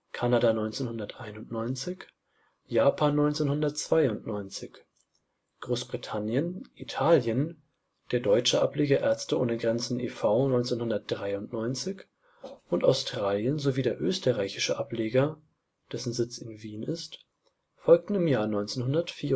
1991, Japan 1992, Großbritannien, Italien, der deutsche Ableger Ärzte ohne Grenzen e. V. 1993 und Australien sowie der österreichische Ableger, dessen Sitz in Wien ist, folgten im Jahr 1994